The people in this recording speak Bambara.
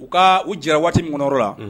U ka u jɛra waatigyɔrɔ la